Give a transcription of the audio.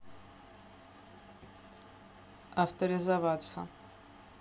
авторизоваться